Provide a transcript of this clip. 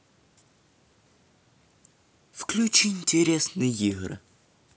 включи интересные игры